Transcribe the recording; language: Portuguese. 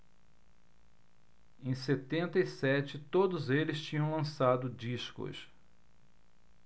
em setenta e sete todos eles tinham lançado discos